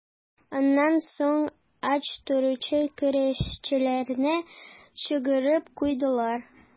Аннан соң ач торучы көрәшчеләрне чыгарып куйдылар.